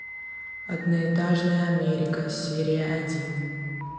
одноэтажная америка серия один